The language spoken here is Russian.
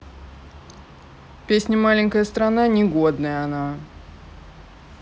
песня маленькая страна негодная она